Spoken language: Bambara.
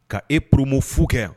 Ka e promo fu kɛ yan.